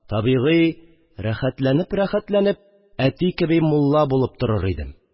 Табигый, рәхәтләнеп- рәхәтләнеп әти кеби мулла булып торыр идем